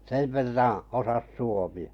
sen verran osasi suomea -